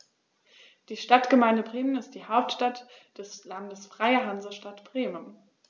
Die Stadtgemeinde Bremen ist die Hauptstadt des Landes Freie Hansestadt Bremen.